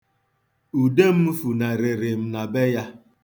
Ude m funarịrị m na be ya.